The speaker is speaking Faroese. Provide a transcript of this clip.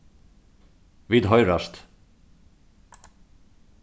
vit hoyrast